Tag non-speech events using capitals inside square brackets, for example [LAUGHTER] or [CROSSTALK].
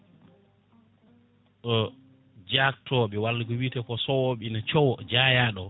[HESITATION] jaktoɓe walla ko wiiteko sowoɓe ina cowo jaayano